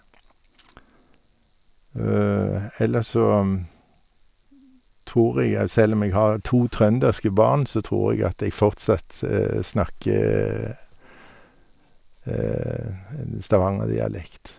Ellers så, tror jeg at selv om jeg har to trønderske barn, så tror jeg at jeg fortsatt snakker en Stavangerdialekt.